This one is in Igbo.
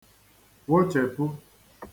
wochèpu